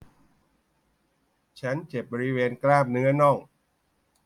ฉันเจ็บบริเวณกล้ามเนื้อน่อง